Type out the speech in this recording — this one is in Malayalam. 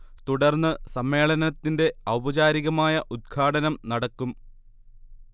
തുടർന്ന് സമ്മേളനത്തിന്റെ ഔപചാരികമായ ഉത്ഘാടനം നടക്കും